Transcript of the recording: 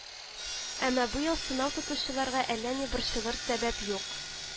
Әмма быел сынау тотучыларга әллә ни борчылыр сәбәп юк